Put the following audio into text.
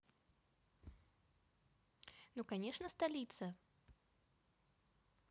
нуконечно столица